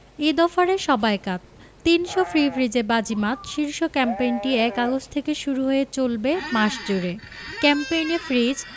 ঈদ অফারে সবাই কাত ৩০০ ফ্রি ফ্রিজে বাজিমাত শীর্ষ ক্যাম্পেইনটি ১ আগস্ট থেকে শুরু হয়ে চলবে মাস জুড়ে ক্যাম্পেইনে ফ্রিজ